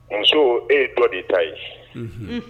Muso e ye tɔ de ta ye